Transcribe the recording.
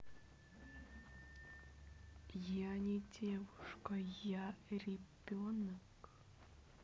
я не девушка я ребенок